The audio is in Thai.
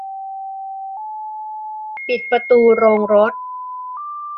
ปิดประตูโรงรถ